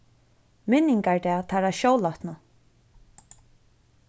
minningardag teirra sjólátnu